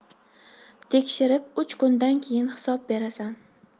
tekshirib uch kundan keyin hisob berasan